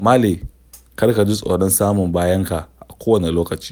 Famalay kar ka ji tsoron samun bayanka a kowane lokaci…